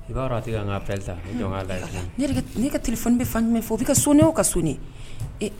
I b'a ka t bɛ fan tun min fɔ o bɛ ka so ne o ka sunoni